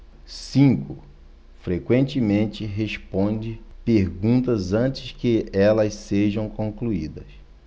cinco frequentemente responde perguntas antes que elas sejam concluídas